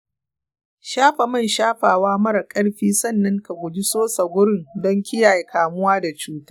shafa man shafawa mara ƙarfi sannan ka guji sosa gurin don kiyaye kamuwa da cuta.